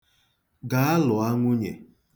Gaa, lụọ nwunye.